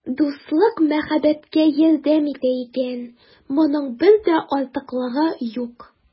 Дуслык мәхәббәткә ярдәм итә икән, моның бер дә артыклыгы юк.